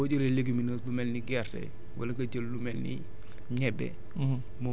parce que boo jëlee légumineuse bu mel ni gerte wala nga jël lu mel ni ñebe